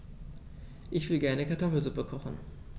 Ich will gerne Kartoffelsuppe kochen.